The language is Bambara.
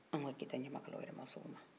ka taa tilen jatigi ka so u ma sɔn o ma